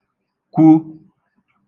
kwu